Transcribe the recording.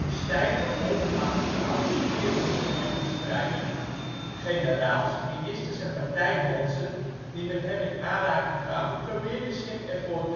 stijve ongemakkelijke atmosfeer " om zich heen verspreiden. Generaals, ministers en partijbonzen die met hem in aanraking kwamen probeerden zich ervoor